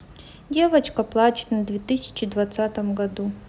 девочка плачет на две тысячи двадцатом году